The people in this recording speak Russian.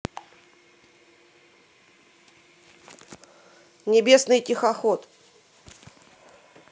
небесный тихоход